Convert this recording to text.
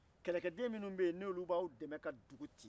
kɛlɛkɛden minnu bɛ ye n'olu b'aw dɛmɛ ka dugu ci